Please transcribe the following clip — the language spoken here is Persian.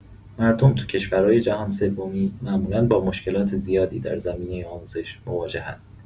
مردم تو کشورای جهان‌سومی معمولا با مشکلات زیادی در زمینه آموزش مواجه‌ان.